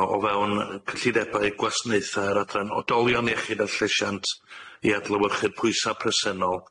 o o fewn yy cyllidebau gwasanaetha'r adran odolion iechyd a llesiant i adlewyrchu pwysa' presennol.